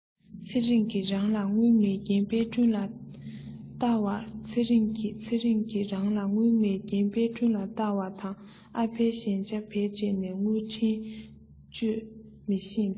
ཚེ རིང གི རང ལ དངུལ མེད རྐྱེན དཔལ སྒྲོན ལ བལྟ བར ཚེ རིང གི ཚེ རིང གི རང ལ དངུལ མེད རྐྱེན དཔལ སྒྲོན ལ བལྟ བར དང ཨ ཕའི གཞན ཆ བེད སྤྱད ནས དངུལ འཕྲིན སྤྱོད མི ཤེས པས